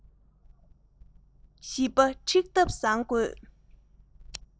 བཞི བ ཁྲིད ཐབས བཟང དགོས